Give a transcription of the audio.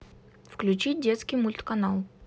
включить детский мульт канал